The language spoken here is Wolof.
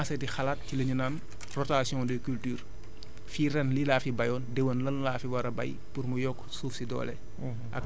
mu commencé di xalaat ci li ñu naan rotation des cultures fii ren lii laa fi béyoon déwén lan laa fi war a béy pour mu yokk suuf si doole